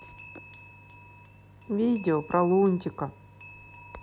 видео про лунтика